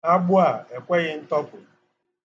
Agbụ a ekweghị atọpụ.